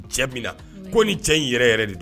Cɛ min na ko ni cɛ in yɛrɛ yɛrɛ de don